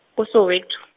ko Soweto.